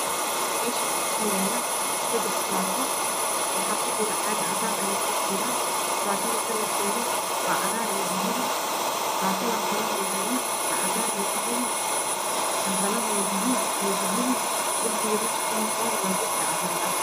Meshan waxaa yala sedax sako waxaa ku jira caag cadan ah ayeey ku dhex jiran sakada kalarkeedu waa cagar iyo dahabi sakadan kalana waa gaduud iyo cadan iyo dahabi talakana waa gaduud iyo dahabi derbiga mewsha ka muuqdana waa derbi cadan ah